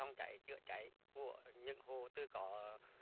phòng cháy chữa cháy của những hộ tự có